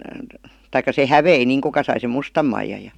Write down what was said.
tai se hävisi niin kuka sai sen mustan maijan ja